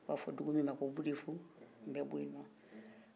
u b'a fɔ dugu min ma ko bodefu n bɛ bɔ yen